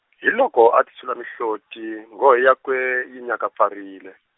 hi loko a tisula mihloti, nghohe yakwe, yi nyakapfarile.